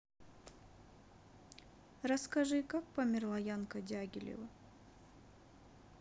расскажи как померла янка дягилева